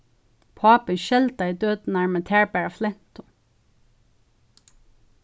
pápin skeldaði døturnar men tær bara flentu